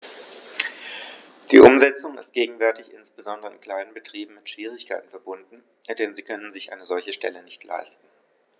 Die Umsetzung ist gegenwärtig insbesondere in kleinen Betrieben mit Schwierigkeiten verbunden, denn sie können sich eine solche Stelle nicht leisten.